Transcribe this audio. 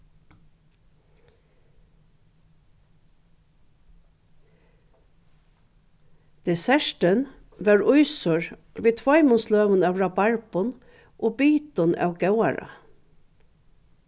dessertin var ísur við tveimum sløgum av rabarbum og bitum av góðaráð